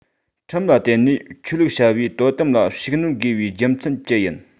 ཁྲིམས ལ བརྟེན ནས ཆོས ལུགས བྱ བའི དོ དམ ལ ཤུགས སྣོན དགོས པའི རྒྱུ མཚན ཅི ཡིན